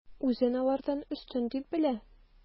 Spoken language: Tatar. Үзен алардан өстен дип белә.